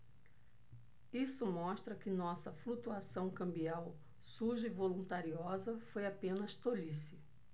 isso mostra que nossa flutuação cambial suja e voluntariosa foi apenas tolice